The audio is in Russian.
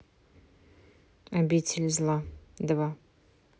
обитель зла два